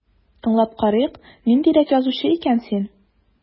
Тыңлап карыйк, ниндирәк язучы икән син...